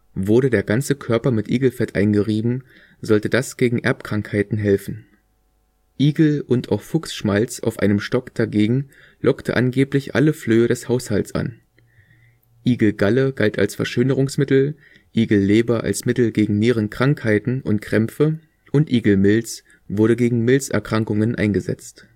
Wurde der ganze Körper mit Igelfett eingerieben, sollte das gegen Erbkrankheiten helfen. Igel - und auch Fuchsschmalz auf einem Stock dagegen lockte angeblich alle Flöhe des Haushalts an. Igelgalle galt als Verschönerungsmittel, Igelleber als Mittel gegen Nierenkrankheiten und Krämpfe und Igelmilz wurde gegen Milzerkrankungen eingesetzt